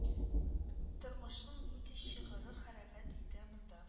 Тормышның нинди чыгыры хәрәкәт итә монда